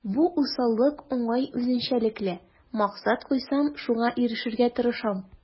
Бу усаллык уңай үзенчәлекле: максат куйсам, шуңа ирешергә тырышам.